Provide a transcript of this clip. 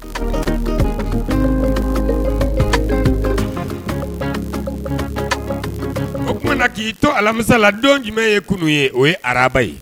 O tumana na k'i to alamisa la don jumɛn ye kunun ye o ye araba ye